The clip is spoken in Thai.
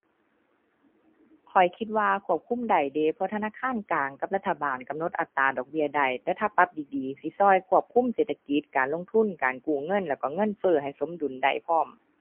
ข้อยคิดว่าควบคุมได้เดะ เพราะธนาคารกลางกับรัฐบาลกำหนดอัตราดอกเบี้ยได้ แต่ถ้าปรับดีดีสิช่วยควบคุมเศรษฐกิจ การลงทุน การกู้เงิน แล้วก็เงินเฟ้อให้สมดุลได้พร้อม